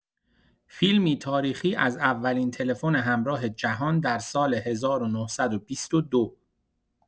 فیلمی تاریخی از اولین تلفن همراه جهان در سال ۱۹۲۲